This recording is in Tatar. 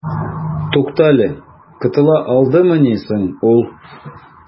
Туктале, котыла алдымыни соң ул?